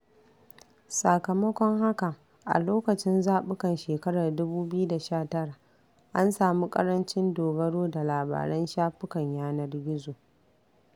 Sakamakon haka, a lokacin zaɓukan shekarar 2019 an samu ƙarancin dogaro da labaran shafukan yanar gizo.